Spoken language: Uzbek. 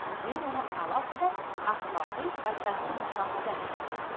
men uni alohida axloqiy falsafiy mushohada degan bo'lar edim